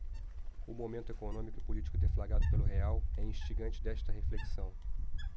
o momento econômico e político deflagrado pelo real é instigante desta reflexão